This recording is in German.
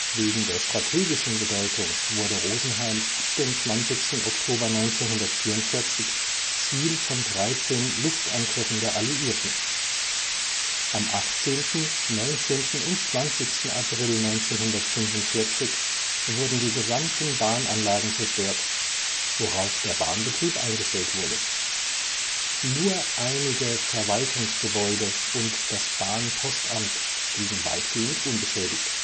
Wegen der strategischen Bedeutung wurde Rosenheim ab dem 20. Oktober 1944 Ziel von 13 Luftangriffen der Alliierten. Am 18., 19. und 20. April 1945 wurden die gesamten Bahnanlagen zerstört, worauf der Bahnbetrieb eingestellt wurde. Nur einige Verwaltungsgebäude und das Bahnpostamt blieben weitgehend unbeschädigt